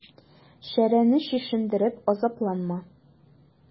Шәрәне чишендереп азапланма.